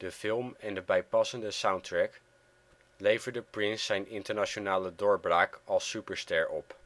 film en de bijpassende soundtrack leverde Prince zijn internationale doorbraak als superster op